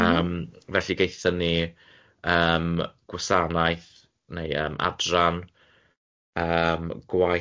Yym felly gaethon ni yym gwasanaeth neu yym adran yym gwaith